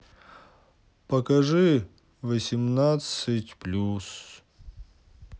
покажи восемнадцать плюс